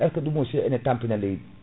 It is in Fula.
est ce ce que ɗum aussi ene tampina leydi